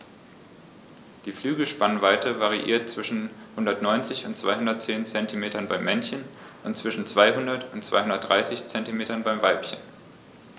Die Flügelspannweite variiert zwischen 190 und 210 cm beim Männchen und zwischen 200 und 230 cm beim Weibchen.